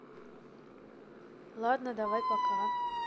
ладно давай пока